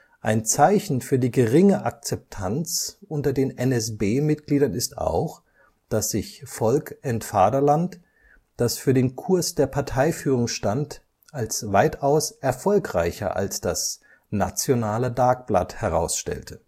Ein Zeichen für die geringe Akzeptanz unter den NSB-Mitgliedern ist auch, dass sich Volk en Vaderland, das für den Kurs der Parteiführung stand, als weitaus erfolgreicher als das Nationale Dagblad herausstellte